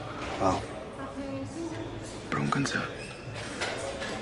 Wel? Brown cynta.